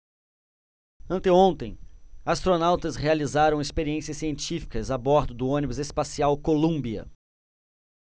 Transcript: anteontem astronautas realizaram experiências científicas a bordo do ônibus espacial columbia